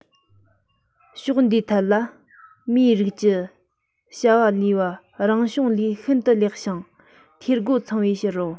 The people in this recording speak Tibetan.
ཕྱོགས འདིའི ཐད ལ མིའི རིགས ཀྱིས བྱ བ ལས པ རང བྱུང ལས ཤིན ཏུ ལེགས ཤིང འཐུས སྒོ ཚང བའི ཕྱིར རོ